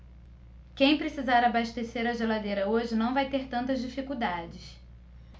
quem precisar abastecer a geladeira hoje não vai ter tantas dificuldades